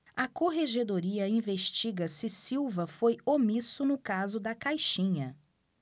a corregedoria investiga se silva foi omisso no caso da caixinha